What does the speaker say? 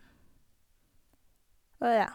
Og, ja.